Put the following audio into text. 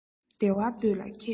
བདེ བར སྡོད ལ མཁས མི སྲིད